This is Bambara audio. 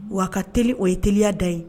Unh waa a ka teli o ye teliya dan ye